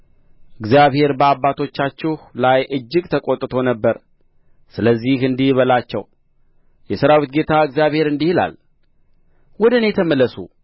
እግዚአብሔር በአባቶቻችሁ ላይ እጅግ ተቈጥቶ ነበር ስለዚህ እንዲህ በላቸው የሠራዊት ጌታ እግዚአብሔር እንዲህ ይላል ወደ እኔ ተመለሱ